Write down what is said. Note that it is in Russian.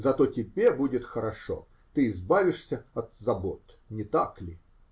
Зато тебе будет хорошо -- ты избавишься от работ, не так ли?